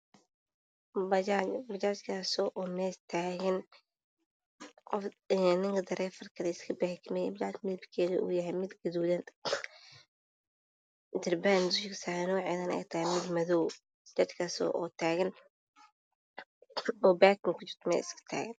Bajaaj bajajkas oo meel tagan ninka darwalkana iska bakimay bajajta midabkedu yahay midab gadudan drban dusha ka saranyahay nocdana ay tahay mid madow ah bajajkas o tagan o bakin ku jirto mel iska tagan